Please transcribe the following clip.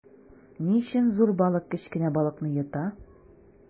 Ни өчен зур балык кечкенә балыкны йота?